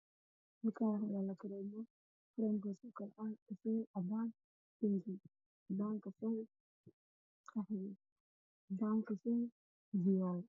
Halkaan waxaa yaalo Kareemo midabkoodu kafay, cadaan, bingi, qaxwi iyo fiyool.